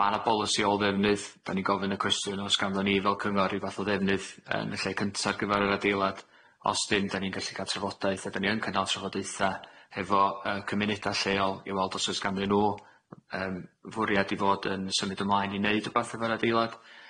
Ma' 'na Bolisi Ôl-ddefnydd, 'dan ni'n gofyn y cwestiwn oes ganddon ni fel Cyngor ryw fath o ddefnydd yn y lle cynta ar gyfar yr adeilad, os ddim, 'dan ni'n gallu ga'l trafodaeth a 'dan ni yn cynnal trafodaetha hefo yy cymuneda lleol i weld os o's ganddyn nhw yym fwriad i fod yn symud ymlaen i neud wbath efo'r adeilad.